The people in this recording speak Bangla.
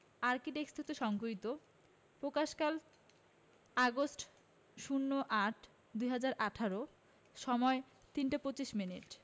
আরকি ডেস্ক হতে সংগৃহীত প্রকাশকালঃ আগস্ট ০৮ ২০১৮ সময়ঃ ৩টা ২৫ মিনিট